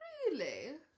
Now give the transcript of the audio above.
Rili?